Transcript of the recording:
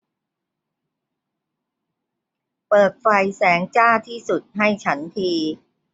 เปิดไฟแสงจ้าที่สุดให้ฉันที